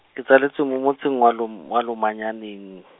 ke tsaletswe mo motseng wa Lom-, wa Lomanyaneng.